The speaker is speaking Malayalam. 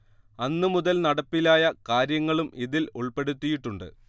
അന്നുമുതൽ നടപ്പിലായ കാര്യങ്ങളും ഇതിൽ ഉൾപ്പെടുത്തിയിട്ടുണ്ട്